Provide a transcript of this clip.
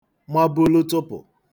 mabulu tụpụ̀